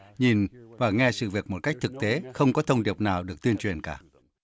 nhìn và nghe sự việc một cách thực tế không có thông điệp nào được tuyên truyền cả